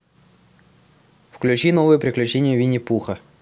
включи новые приключения винни пуха